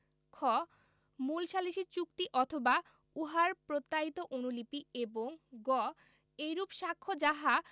খ মূল সালিসী চুক্তি অথবা উহার প্রত্যায়িত অনুলিপি এবং গ এইরূপ সাক্ষ্য যাহা